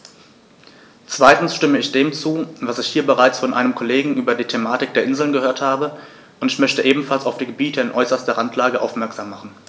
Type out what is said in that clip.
Zweitens stimme ich dem zu, was ich hier bereits von einem Kollegen über die Thematik der Inseln gehört habe, und ich möchte ebenfalls auf die Gebiete in äußerster Randlage aufmerksam machen.